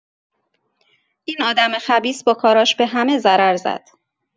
این آدم خبیث با کاراش به همه ضرر زد.